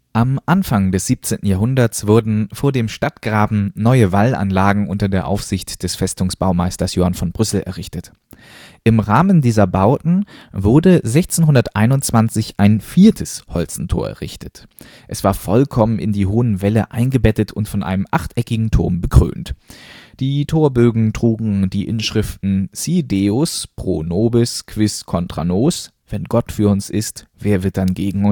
Am Anfang des 17. Jahrhunderts wurden vor dem Stadtgraben neue Wallanlagen unter der Aufsicht des Festungsbaumeisters Johann von Brüssel errichtet. Im Rahmen dieser Bauten wurde 1621 ein viertes Holstentor errichtet. Es war vollkommen in die hohen Wälle eingebettet und von einem achteckigen Turm bekrönt. Die Torbögen trugen die Inschriften Si deus pro nobis, quis contra nos („ Wenn Gott für uns ist, wer wird dann gegen